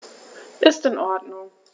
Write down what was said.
Ist in Ordnung.